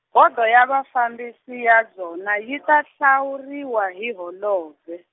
Bodo ya Vafambisi ya byona yi ta hlawuriwa hi holobye.